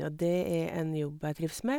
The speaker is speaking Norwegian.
Og det er en jobb jeg trives med.